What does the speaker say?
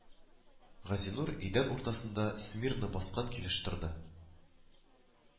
Газинур идән уртасында смирно баскан килеш торды